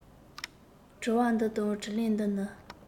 དྲི བ འདི དང དྲིས ལན འདི ནི